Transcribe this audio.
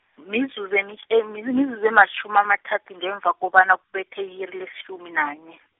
mizuzu emi-, emi- mizuzu ematjhumi amathathu ngemva kobana, kubethe i-iri letjhumi nanye.